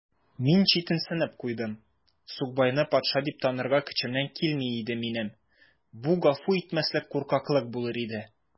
Мин читенсенеп куйдым: сукбайны патша дип танырга көчемнән килми иде минем: бу гафу ителмәслек куркаклык булыр иде.